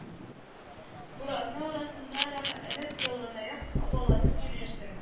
Буразна арасында рәхәтләнеп яланаяк абаланып йөрерсең